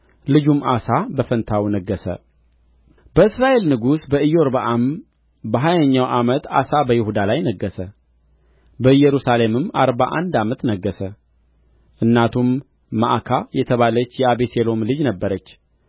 ልጁም አሳ በፋንታው ነገሠ በእስራኤል ንጉሥ በኢዮርብዓም በሀያኛውም ዓመት አሳ በይሁዳ ላይ ነገሠ በኢየሩሳሌምም አርባ አንድ ዓመት ነገሠ እናቱም መዓካ የተባለች የአቤሴሎም ልጅ ነበረች